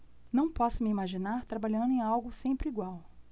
não posso me imaginar trabalhando em algo sempre igual